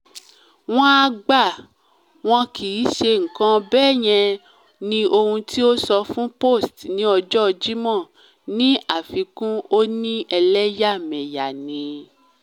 ”Wọ́n á gbà. Wọn kì í ṣe nǹkan bẹ́ẹ̀ yẹn,” ni ohun tí ó sọ fún Post ti ọjọ́ Jímọ̀. Ní àfikún, “Ó ní ẹlẹ́yàmẹyà ni.”